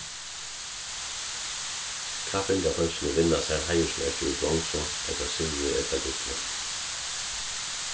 kappingarfólkini vinna sær heiðursmerki í bronsu ella silvuri ella gulli